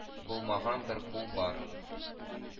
Булмаган бер күл бар